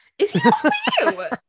Is he not for you?